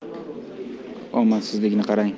omadsizlikni qarang